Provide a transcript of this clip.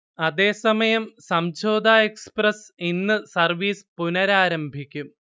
അതേസമയം സംഝോത എക്സ്പ്രസ്സ് ഇന്ന് സർവീസ് പുനരാരംഭിക്കും